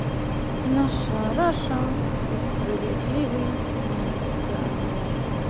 наша раша и справедливый милиционер